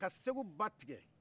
ka segu ba tigɛ